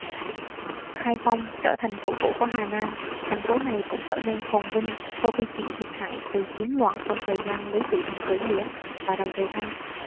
khai phong trở thành thủ phủ của hà nam thành phố này cũng trở nên phồn vinh sau khi chịu thiệt hại từ chiến loạn trong thời gian lý tự thành khởi nghĩa và đầu thời thanh